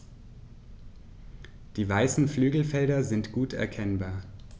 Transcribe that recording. Die weißen Flügelfelder sind gut erkennbar.